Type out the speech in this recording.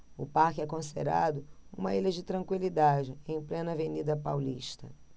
o parque é considerado uma ilha de tranquilidade em plena avenida paulista